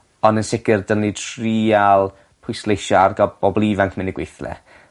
On' yn sicir dylwn ni trial pwysleisio ar ga'l bobol ifanc mewn i gweithle.